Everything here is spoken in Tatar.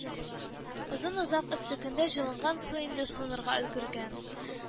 Озын-озак эссе көндә җылынган су инде суынырга өлгергән